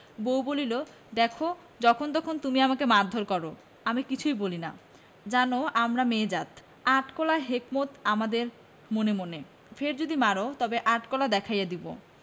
বউ বলিল দেখ যখনতখন তুমি আমাকে মারধর কর আমি কিছুই বলি না জান আমরা মেয়ে জাত আট কলা হেকমত আমাদের মনে মনে ফের যদি মার তবে আট কলা দেখাইয়া দিব